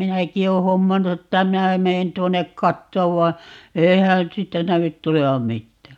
minäkin olen hommannut että minä menen tuonne katsomaan vai eihän siitä näy tulevan mitään